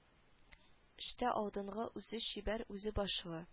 Эштә алдынгы үзе чибәр үзе башлы